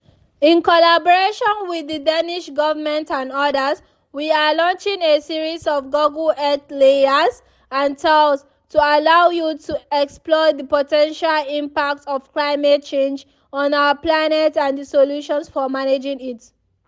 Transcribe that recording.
In collaboration with the Danish government and others, we are launching a series of Google Earth layers and tours to allow you to explore the potential impacts of climate change on our planet and the solutions for managing it.